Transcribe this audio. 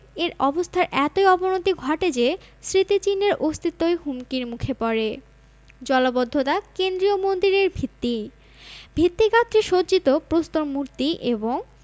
এর অবস্থার এতই অবনতি ঘটে যে স্মৃতিচিহ্নের অস্তিত্বই হুমকির মুখে পড়ে জলাবদ্ধতা কেন্দ্রীয় মন্দিরের ভিত্তি ভিত্তিগাত্রে সজ্জিত প্রস্তর মূর্তি এবং